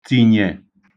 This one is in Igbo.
tìnyè